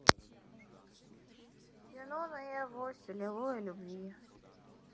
юнона и авось аллилуйя любви